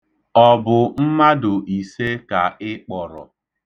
Ọ bụ mmadụ ise ka ị kpọrọ?